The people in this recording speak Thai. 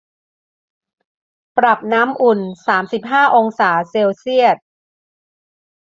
ปรับน้ำอุ่นสามสิบห้าองศาเซลเซียส